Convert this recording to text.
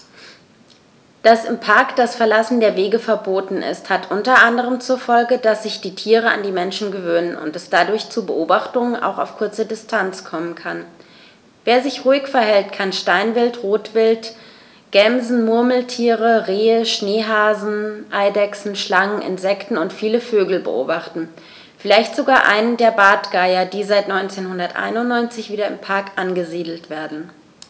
Dass im Park das Verlassen der Wege verboten ist, hat unter anderem zur Folge, dass sich die Tiere an die Menschen gewöhnen und es dadurch zu Beobachtungen auch auf kurze Distanz kommen kann. Wer sich ruhig verhält, kann Steinwild, Rotwild, Gämsen, Murmeltiere, Rehe, Schneehasen, Eidechsen, Schlangen, Insekten und viele Vögel beobachten, vielleicht sogar einen der Bartgeier, die seit 1991 wieder im Park angesiedelt werden.